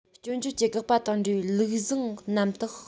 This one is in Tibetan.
སྐྱོན བརྗོད ཀྱི དགག པ དང འབྲེལ བའི ལུགས བཟང རྣམ དག